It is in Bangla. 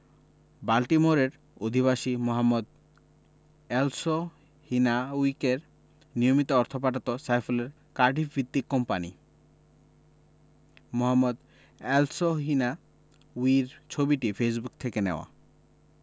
বাল্টিমোরের অধিবাসী মোহাম্মদ এলসহিনাউয়িকে নিয়মিত অর্থ পাঠাত সাইফুলের কার্ডিফভিত্তিক কোম্পানি মোহাম্মদ এলসহিনাউয়ির ছবিটি ফেসবুক থেকে নেওয়া